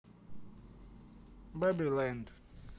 бэби лэнд